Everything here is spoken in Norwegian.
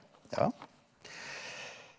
ja.